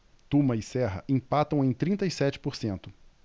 tuma e serra empatam em trinta e sete por cento